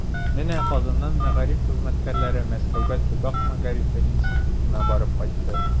Менә Казаннан мәгариф хезмәткәрләре Мәскәүгә Төбәк мәгарифе институтына барып кайтты.